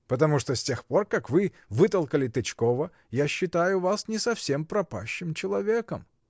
— Потому что с тех пор, как вы вытолкали Тычкова, я считаю вас не совсем пропащим человеком.